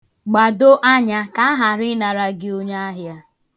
Gbado anya ka aghara ịnara gị onyaahịa.